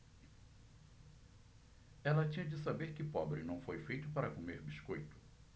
ela tinha de saber que pobre não foi feito para comer biscoito